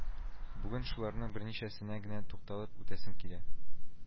Бүген шуларның берничәсенә генә тукталып үтәсем килә